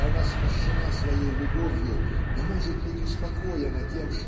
и она смущена своей любовью но может быть успокоена тем